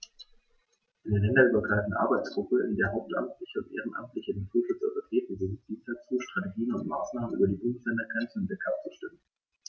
Eine länderübergreifende Arbeitsgruppe, in der hauptamtliche und ehrenamtliche Naturschützer vertreten sind, dient dazu, Strategien und Maßnahmen über die Bundesländergrenzen hinweg abzustimmen.